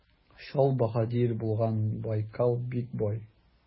Чал баһадир булган Байкал бик бай.